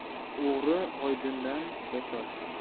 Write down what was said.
o'g'ri oydindan qo'rqar